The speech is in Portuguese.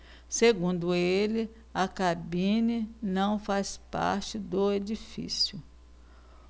segundo ele a cabine não faz parte do edifício